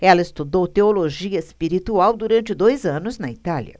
ela estudou teologia espiritual durante dois anos na itália